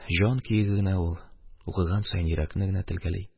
Җан көеге генә ул, укыган саен йөрәкне генә телгәли.